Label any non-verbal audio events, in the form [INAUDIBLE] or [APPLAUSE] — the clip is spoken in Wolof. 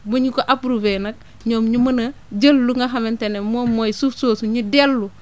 bu ñu ko approuvé nag ñoom ñu mën a jël lu nga xamante ne moom mooy [NOISE] suuf soosu ñu dellu